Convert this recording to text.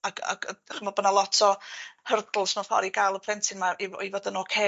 Ag ag o'dd 'dych 'mod bo' 'na lot o hurdles mewn ffor i gal y plentyn 'ma i f- i fod yn ocê